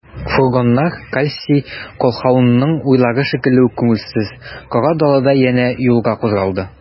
Фургоннар Кассий Колһаунның уйлары шикелле үк күңелсез, кара далада янә юлга кузгалды.